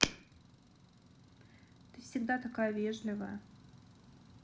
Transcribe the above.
ты всегда такая вежливая